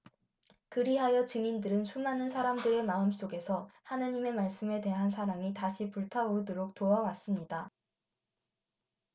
그리하여 증인들은 수많은 사람들의 마음속에서 하느님의 말씀에 대한 사랑이 다시 불타오르도록 도와 왔습니다